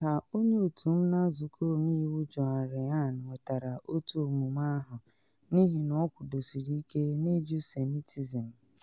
Ka onye otu m na nzụkọ ọmeiwu Joan Ryan nwetara otu omume ahụ n’ihi na ọ kwụdosiri ike n’ịjụ semitism.